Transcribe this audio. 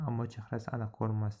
ammo chehrasi aniq ko'rinmasdi